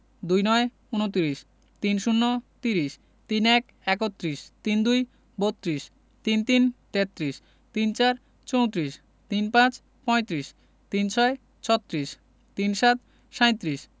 ২৯ -ঊনতিরিশ ৩০ - তিরিশ ৩১ - একত্রিশ ৩২ - বত্ৰিশ ৩৩ - তেত্রিশ ৩৪ - চৌত্রিশ ৩৫ - পঁয়ত্রিশ ৩৬ - ছত্রিশ ৩৭ - সাঁইত্রিশ